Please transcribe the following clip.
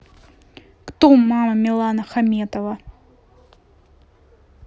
кто мама милана хаметова